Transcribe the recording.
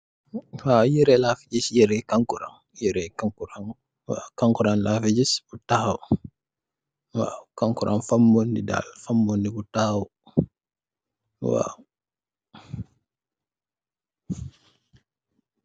Wa aiiy yehreh laafi gis, yehreh kankurang, yehreh kankurang waw kankurang lafi gis bu takhaw waw, kankurang fambondi daal, fambondi bu takhaw waw.